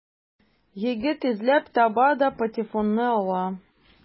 Егет эзләп таба да патефонны ала.